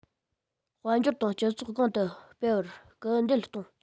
དཔལ འབྱོར དང སྤྱི ཚོགས གོང དུ སྤེལ བར སྐུལ འདེད གཏོང